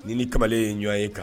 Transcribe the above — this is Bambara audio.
Nii kamalen ye ɲ ye kan